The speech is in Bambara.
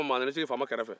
a nana i sigi faama kɛrɛfɛ